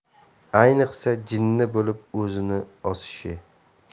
ayniqsa jinni bo'lib o'zini osishi